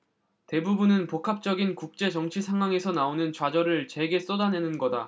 대부분은 복합적인 국제 정치 상황에서 나오는 좌절을 제게 쏟아내는 거다